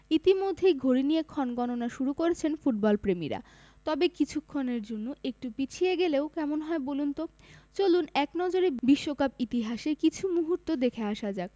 ইতিমধ্যেই ঘড়ি নিয়ে ক্ষণগণনা শুরু করেছেন ফুটবলপ্রেমীরা তবে কিছুক্ষণের জন্য একটু পিছিয়ে গেলে কেমন হয় বলুন তো চলুন এক নজরে বিশ্বকাপ ইতিহাসের কিছু মুহূর্ত দেখে আসা যাক